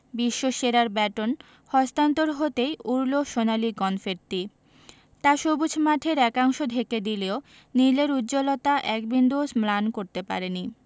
বিশ্বসেরার baton হস্তান্তর হতেই উড়ল সোনালি কনফেত্তি তা সবুজ মাঠের একাংশ ঢেকে দিলেও নীলের উজ্জ্বলতা এক বিন্দুও ম্লান করতে পারেনি